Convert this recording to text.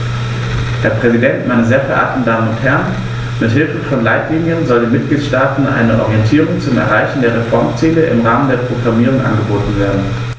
Herr Präsident, meine sehr verehrten Damen und Herren, mit Hilfe von Leitlinien soll den Mitgliedstaaten eine Orientierung zum Erreichen der Reformziele im Rahmen der Programmierung angeboten werden.